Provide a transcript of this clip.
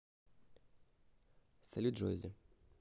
салют джоззи